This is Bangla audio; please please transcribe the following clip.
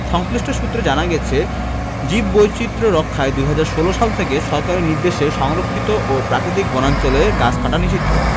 সংশ্লিষ্ট সূত্রে জানা গেছে জীববৈচিত্র্য রক্ষায় ২০১৬ সাল থেকে সরকারি নির্দেশে সংরক্ষিত ও প্রাকৃতিক বনাঞ্চলের গাছ কাটা নিষিদ্ধ